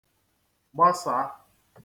gbasa